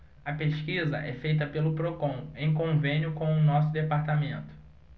a pesquisa é feita pelo procon em convênio com o diese